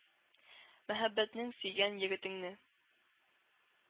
Мәхәббәтең сөйгән егетеңне.